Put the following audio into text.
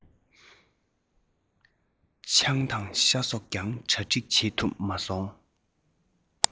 ཆང དང ཤ སོགས ཀྱང གྲ སྒྲིག བྱེད ཐུབ མ སོང